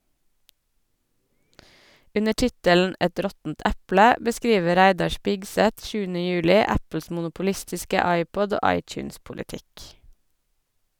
Under tittelen "Et råttent eple" beskriver Reidar Spigseth 7.juli Apples monopolistiske iPod- og iTunes-politikk.